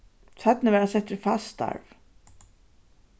seinni varð hann settur í fast starv